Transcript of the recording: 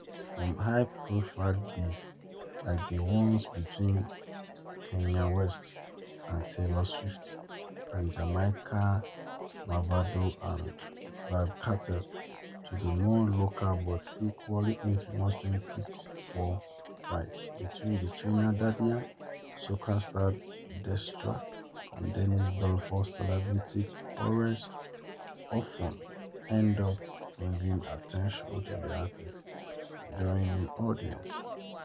From high-profile beefs like the ones between Kanye West and Taylor Swift and Jamaica's Mavado and Vybz Kartel, to the more local but equally infamous 2004 fight between Trinidadian soca stars Destra and Denise Belfon, celebrity quarrels often end up bringing attention to the artists and drawing new audiences to their music.